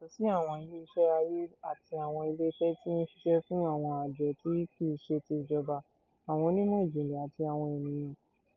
Yàtọ̀ sí àwọn ilé iṣẹ́ ààyè àti àwọn ilé iṣẹ́ tí ó ń ṣiṣẹ́ fún àwọn àjọ tí kìí ṣe ti ìjọba, àwọn onímọ̀ ìjìnlẹ̀ àti àwọn ènìyàn,